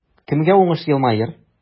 Кемгә уңыш елмаер?